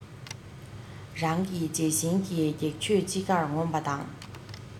རང གི བྱད བཞིན གྱི སྒེག ཆོས ཅི འགར ངོམ པ དང